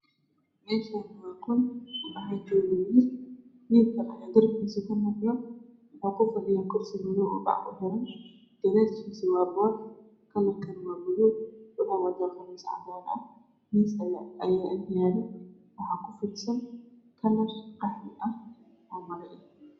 Meeshaan waa qol waxaa joogo wiilal. Wiil ayaa darbiga suke fadhiyo waxuu kufadhiyaa kursi madow oo bac kuxiran tahay dareeskiisu waa boor waxuu wataa qamiis cad miis ayaa agyaalo waxaa kufidsan kalar qaxwi ah oo maro ah.